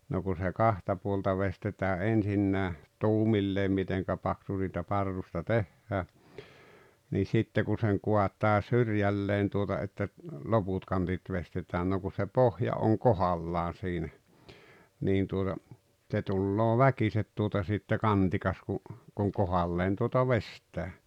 no kun se kahta puolta veistetään ensinnäkin tuumilleen miten paksu siitä parrusta tehdään niin sitten kun sen kaataa syrjälleen tuota että loput kantit veistetään no kun se pohja on kohdallaan siinä niin tuota se tulee väkisin tuota sitten kantikas kun kun kohdalleen tuota veistää